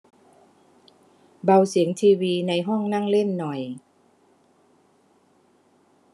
เบาเสียงทีวีในห้องนั่งเล่นหน่อย